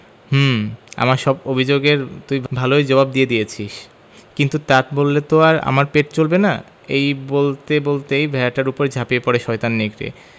হুম আমার সব অভিযোগ এর তুই ভালই জবাব দিয়ে দিয়েছিস কিন্তু তা বললে তো আর আমার পেট চলবে না এই বলতে বলতেই ভেড়াটার উপর ঝাঁপিয়ে পড়ে শয়তান নেকড়ে